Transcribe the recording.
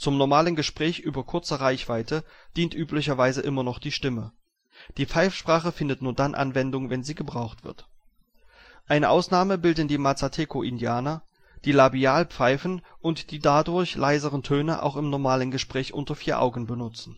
normalen Gespräch über kurze Reichweite dient üblicherweise immer noch die Stimme, die Pfeifsprache findet nur dann Anwendung, wenn sie gebraucht wird. Eine Ausnahme bilden die Mazateco-Indianer, die labial pfeifen und die dadurch leiseren Töne auch im normalen Gespräch unter vier Augen benutzen